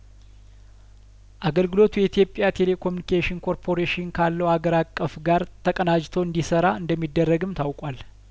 አገልግሎቱ የኢትዮጵያ ቴሌኮሚኒኬሽን ኮርፖሬሽን ካለው ሀገር አቀፍ ጋር ተቀናጅቶ እንዲ ሰራ እንደሚደረግም ታውቋል